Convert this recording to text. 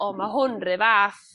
o ma' hwn 'run fath.